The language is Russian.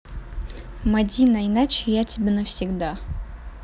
мадина иначе я тебя навсегда